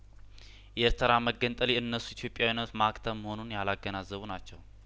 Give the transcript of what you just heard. የኤርትራ መገንጠል የእነሱ ኢትዮጵያዊነት ማክተም መሆኑን ያላገናዘቡ ናቸው